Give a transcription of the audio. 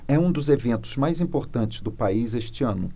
é um dos eventos mais importantes do país este ano